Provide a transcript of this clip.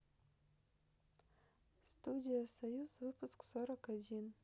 студия союз выпуск сорок один